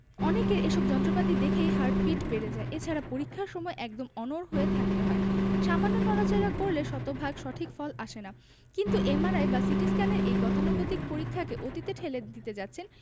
অনেকের এসব যন্ত্রপাতি দেখেই হার্টবিট বেড়ে যায় এছাড়া পরীক্ষার সময় একদম অনড় হয়ে থাকতে হয় সামান্য নড়াচড়া করলে শতভাগ সঠিক ফল আসে না কিন্তু এমআরআই কিংবা সিটিস্ক্যানের এই গতানুগতিক পরীক্ষাকে অতীতে ঠেলে দিতে যাচ্ছেন